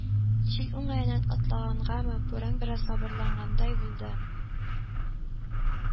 Җил уңаеннан атлагангамы, буран бераз сабырлангандай булды